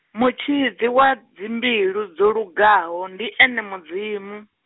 mutshidzi wa, dzimbilu dzolugaho ndi ene Mudzimu.